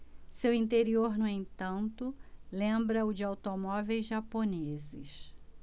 seu interior no entanto lembra o de automóveis japoneses